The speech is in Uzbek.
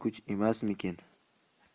bir kuch emasmikin